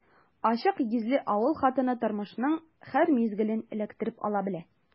Ачык йөзле авыл хатыны тормышның һәр мизгелен эләктереп ала белә.